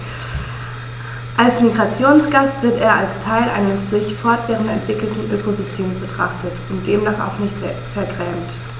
Als Migrationsgast wird er als Teil eines sich fortwährend entwickelnden Ökosystems betrachtet und demnach auch nicht vergrämt.